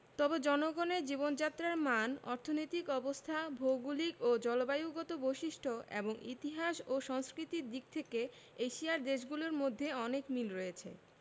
তবে জনগণের জীবনযাত্রার মান অর্থনৈতিক অবস্থা ভৌগলিক ও জলবায়ুগত বৈশিষ্ট্য এবং ইতিহাস ও সংস্কৃতির দিক থেকে এশিয়ার দেশগুলোর মধ্যে অনেক মিল রয়েছে